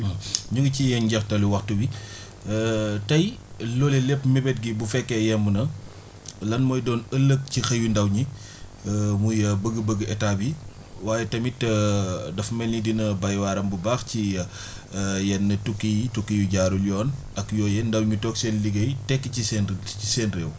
ñu ngi ci njeextalu waxtu wi tey loolee lépp mébét bi bu fekkee yemb na lan mooy doon ëllëg ci xëyu ndaw ñi muy bëgg-bëgg état bi waaye tamit dafa mel ni dina béy waaram bu baax ci yenn tukki yi tukki yu jaarul yoon ak yooyee ndaw mi toog seen liggéey tekki ci seen ré seen réew